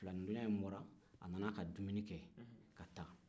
filanitɔɲɔgɔn in bɔra a nana ka dumuni kɛ ka taa